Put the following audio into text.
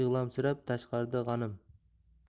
dedi yig'lamsirab tashqarida g'anim